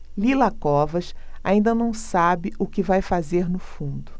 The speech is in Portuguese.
lila covas ainda não sabe o que vai fazer no fundo